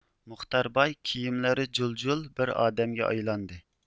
مۇختەر باي كىيىملىرى جۇل جۇل بىر ئادەمگە ئايلاندى